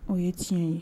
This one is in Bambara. O ye tiɲɛ ye